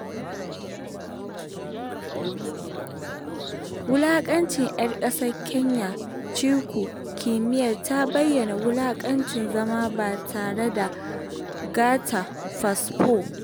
Marubuciya ‘yar ƙasar Kenya Ciku Kimeria ta bayyana wulaƙancin zama ba tare da "gatan fasfo".